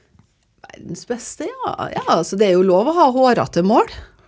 verdens beste ja ja altså det er jo lov å ha hårete mål.